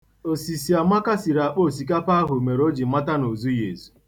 Osisi Amaka siri akpa osikapa ahụ mere o ji mata na o zughi ezu.